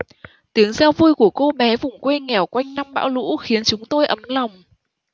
tiếng reo vui của cô bé vùng quê nghèo quanh năm bão lũ khiến chúng tôi ấm lòng